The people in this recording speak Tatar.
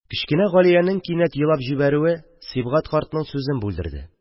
Кечкенә Галиянең кинәт елап җибәрүе Сибгать картның сүзен бүлдерде.